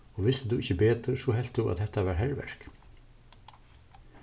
og visti tú ikki betur so helt tú at hetta var herverk